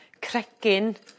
cregyn